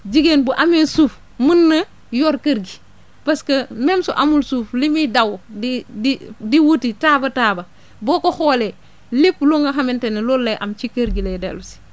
jigéen bu amee suuf mun na yor kër gi parce que même su amul suuf li muy daw di di di wuti taaba taaba boo ko xoolee lépp lu nga xamante ne loolu lay am ci kër gi lay dellu si